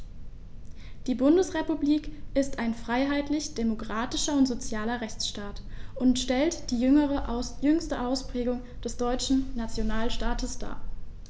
Die Bundesrepublik ist ein freiheitlich-demokratischer und sozialer Rechtsstaat und stellt die jüngste Ausprägung des deutschen Nationalstaates dar.